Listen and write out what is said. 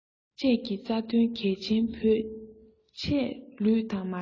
བཅས ཀྱི རྩ དོན གལ ཆེན བོད ཆས ལུས དང མ བྲལ